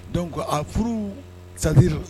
Don ko a furu sadirira